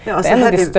ja altså .